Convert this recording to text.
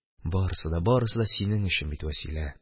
Барысы да, барысы да синең өчен бит, Вәсилә!